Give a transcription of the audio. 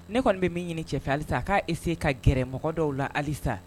Ne kɔni bi min ɲini cɛ fɛ . Halisa a ka essayé ka gɛrɛ mɔgɔ dɔw la halisa.